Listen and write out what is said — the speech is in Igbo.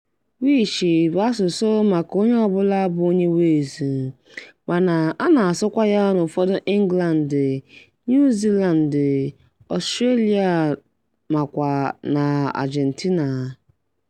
Welsh bụ asụsụ maka onye ọbụla bụ onye Wales, mana a na-asụkwa ya n'ụfodụ n'England, New Zealand, Australia makwa n'Argentina.